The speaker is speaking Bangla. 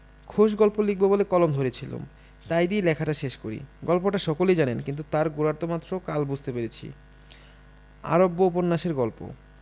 খুশ গল্প লিখব বলে কলম ধরেছিলুম তাই দিয়ে লেখাটা শেষ করি গল্পটা সকলেই জানেন কিন্তু তার গূঢ়ার্থ মাত্র কাল বুঝতে পেরেছি আরব্যোপন্যাসের গল্প